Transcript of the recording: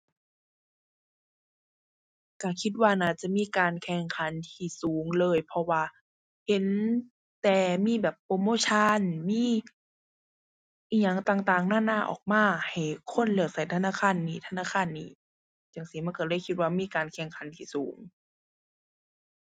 ก็คิดว่าน่าจะมีการแข่งขันที่สูงเลย เพราะว่าเห็นแต่มีแบบโปรโมชัน มีอิหยังต่างต่างนานาออกมาให้คนเลือกก็ธนาคารนี้ ธนาคารนี้จั่งซี้ มันก็เลยคิดว่ามีการแข่งขันที่สูง